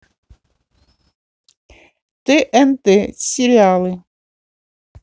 тнт сериалы